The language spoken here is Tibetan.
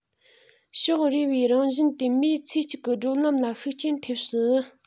ཕྱོགས རེ བའི རང བཞིན དེས མིའི ཚེ གཅིག གི བགྲོད ལམ ལ ཤུགས རྐྱེན ཐེབས སྲིད